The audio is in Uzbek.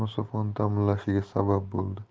masofani ta'minlashiga sabab bo'ldi